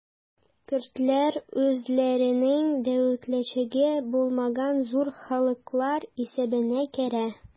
Көрдләр үзләренең дәүләтчелеге булмаган зур халыклар исәбенә керә.